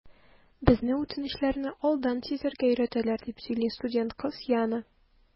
Безне үтенечләрне алдан сизәргә өйрәтәләр, - дип сөйли студент кыз Яна.